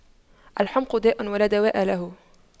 الحُمْقُ داء ولا دواء له